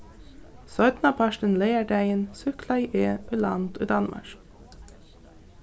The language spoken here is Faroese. seinnapartin leygardagin súkklaði eg í land í danmark